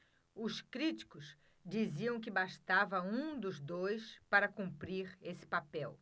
os críticos diziam que bastava um dos dois para cumprir esse papel